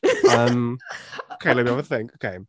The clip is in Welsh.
Yym, okay, let me have a think okay.